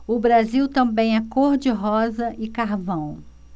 o brasil também é cor de rosa e carvão